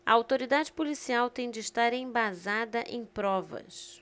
a autoridade policial tem de estar embasada em provas